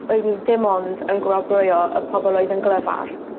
oedd n'w ddim ond yn gwobrwyo y pobol oedd yn glefar.